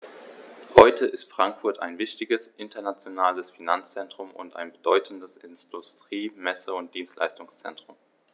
Heute ist Frankfurt ein wichtiges, internationales Finanzzentrum und ein bedeutendes Industrie-, Messe- und Dienstleistungszentrum.